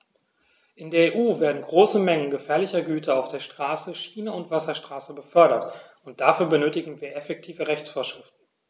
In der EU werden große Mengen gefährlicher Güter auf der Straße, Schiene und Wasserstraße befördert, und dafür benötigen wir effektive Rechtsvorschriften.